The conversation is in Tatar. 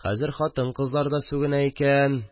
Хәзер хатын-кызлар да сүгенә икән